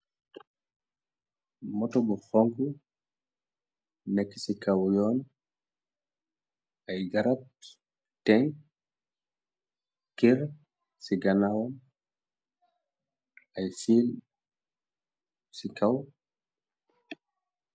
Moto bu xonku nekk ci kaw yoon ay garab teng kërr ci ganawaam ay siil ci kaw.